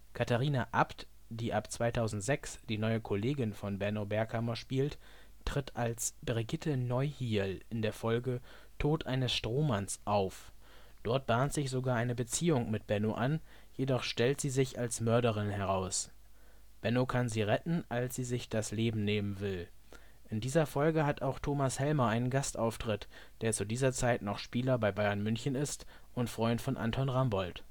Katharina Abt, die ab 2006 die neue Kollegin von Benno Berghammer spielt, tritt als Brigitte Neuhierl in der Folge Tod eines Strohmanns auf. Dort bahnt sich sogar eine Beziehung mit Benno an, jedoch stellt sie sich als Mörderin heraus, Benno kann sie retten, als sie sich das Leben nehmen will. In dieser Folge hat auch Thomas Helmer einen Gastauftritt, der zu dieser Zeit noch Spieler bei Bayern München ist und Freund von Anton Rambold